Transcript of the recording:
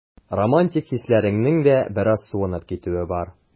Романтик хисләреңнең дә бераз суынып китүе бар.